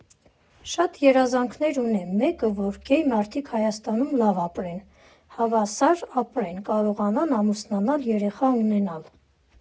Շատ երազանքներ ունեմ, մեկը որ գեյ մարդիկ Հայաստանում լավ ապրեն, հավասար ապրեն, կարողանան ամուսնանալ, երեխա ունենալ։